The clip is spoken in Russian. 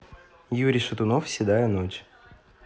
юрий шатунов седая ночь